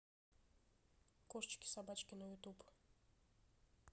кошечки собачки на ютуб